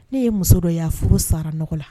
Ne ye muso dɔya furu sara n nɔgɔ la